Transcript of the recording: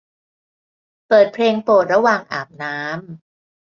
เปิดเพลงโปรดระหว่างอาบน้ำ